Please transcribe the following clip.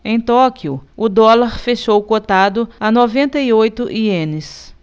em tóquio o dólar fechou cotado a noventa e oito ienes